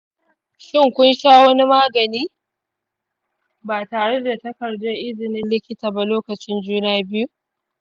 shin kun sha wani magani ba tare da takardar izinin likita ba lokacin juna biyu?